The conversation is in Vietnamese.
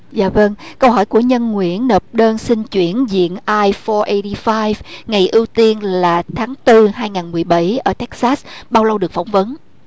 dạ vâng câu hỏi của nhân nguyễn nộp đơn xin chuyển diện ai phôi ây đi phai ngày ưu tiên là tháng tư hai ngàn mười bảy ở tết dát bao lâu được phỏng vấn